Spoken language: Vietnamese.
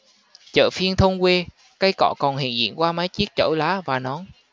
chợ phiên thôn quê cây cọ còn hiện diện qua mấy chiếc chổi lá và nón